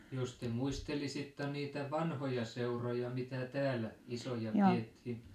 jos te muistelisitte niitä vanhoja seuroja mitä täällä isoja pidettiin